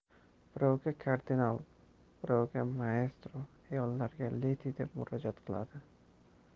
birovga kardinal birovga moestro ayollarga ledi deb murojaat qiladi